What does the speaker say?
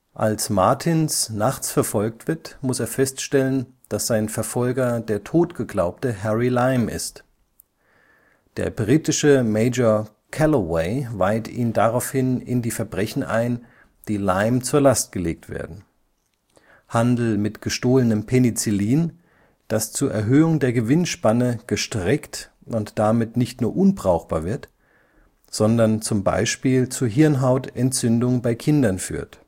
Als Martins nachts verfolgt wird, muss er feststellen, dass sein Verfolger der tot geglaubte Harry Lime ist. Der britische Major Calloway weiht ihn daraufhin in die Verbrechen ein, die Lime zur Last gelegt werden: Handel mit gestohlenem Penicillin, das zur Erhöhung der Gewinnspanne gestreckt und damit nicht nur unbrauchbar wird, sondern zum Beispiel zu Hirnhautentzündung bei Kindern führt